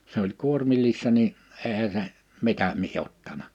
se oli kuormillisena niin eihän se mitä minä ottanut